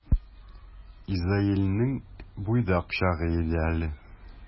Изаилнең буйдак чагы иде әле.